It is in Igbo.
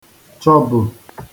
chọbụ̄